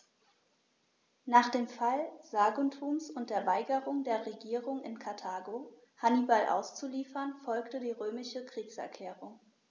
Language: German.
Nach dem Fall Saguntums und der Weigerung der Regierung in Karthago, Hannibal auszuliefern, folgte die römische Kriegserklärung.